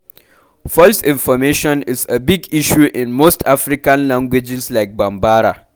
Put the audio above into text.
False information is a big issue in most African languages like Bambara.